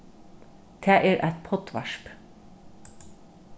tað er eitt poddvarp